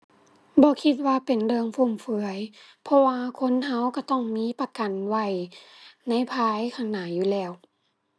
บ่คิดว่าเป็นเรื่องฟุ่มเฟือย เพราะว่าคนเราเราต้องมีประกันไว้ในภายข้างหน้าอยู่แล้ว